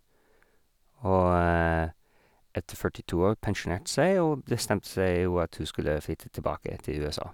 Og etter førtito år pensjonerte seg og bestemte seg jo at hun skulle flytte tilbake til USA.